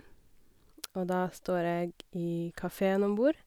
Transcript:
Og da står jeg i kafeen om bord.